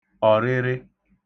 ọ̀rịrị